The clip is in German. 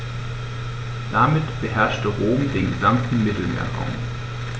Damit beherrschte Rom den gesamten Mittelmeerraum.